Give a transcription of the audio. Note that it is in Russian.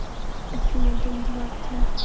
афина дом два где